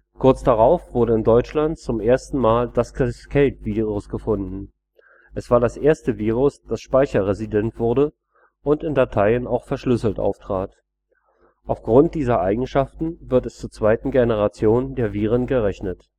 Kurz darauf wurde in Deutschland zum ersten Mal das Cascade-Virus gefunden. Es war das erste Virus, das speicherresident wurde und in Dateien auch verschlüsselt auftrat. Aufgrund dieser Eigenschaften wird es zur zweiten Generation der Viren gerechnet